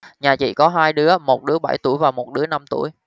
nhà chị có hai đứa một đứa bảy tuổi và một đứa năm tuổi